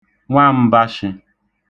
nwam̄bashị̄